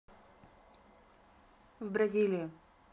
в бразилии